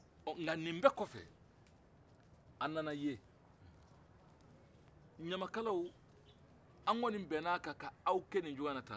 ɔ nka nin bɛɛ kɔfɛ a nana ye ɲamakalaw an kɔni bɛnna kan k'aw kɛ cogoya la tan